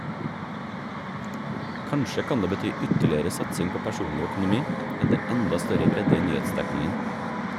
Kanskje kan det bety ytterligere satsing på personlig økonomi, eller enda større bredde i nyhetsdekningen.